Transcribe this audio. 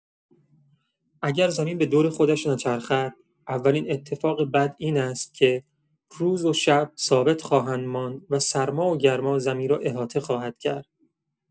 اگر زمین به دور خودش نچرخد، اولین اتفاق بد این است که روز و شب ثابت خواهد ماند و سرما و گرما زمین را احاطه خواهد کرد.